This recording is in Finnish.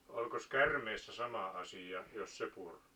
no olikos käärmeestä sama asia jos se puri